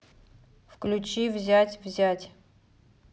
включи взять взять